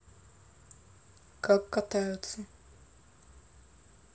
как катаются